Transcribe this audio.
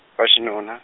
ra xinuna.